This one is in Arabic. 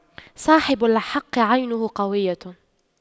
صاحب الحق عينه قوية